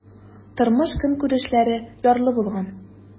Тормыш-көнкүрешләре ярлы булган.